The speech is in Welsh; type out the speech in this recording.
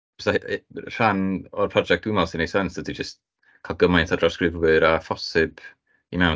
Basai h- rhan o'r project dw i'n meddwl sy'n wneud sens, ydy jyst cael cymaint o drawsgrifwyr â phosib i mewn.